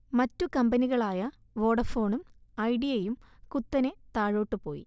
മറ്റു കമ്പനികളായ വോഡഫോണും ഐഡിയയും കുത്തനെ താഴോട്ടുപോയി